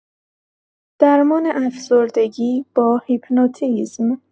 درمان افسردگی با هیپنوتیزم